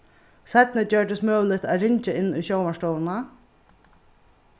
seinni gjørdist møguligt at ringja inn í sjónvarpsstovuna